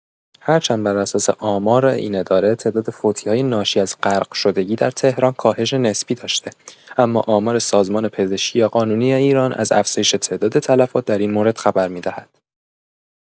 هرچند بر اساس آمار این اداره تعداد فوتی‌های ناشی از غرق‌شدگی در تهران کاهش نسبی داشته، اما آمار سازمان پزشکی قانونی ایران از افزایش تعداد تلفات در این مورد خبر می‌دهد.